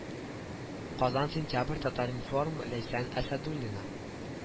Казан сентябрь татар-информ ләйсән әсәдуллина